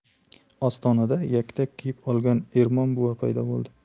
ostonada yaktak kiyib olgan ermon buva paydo bo'ldi